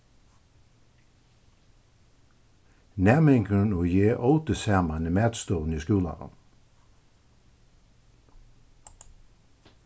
næmingurin og eg ótu saman í matstovuni í skúlanum